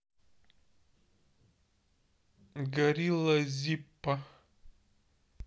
горилла зиппо